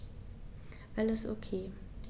Alles OK.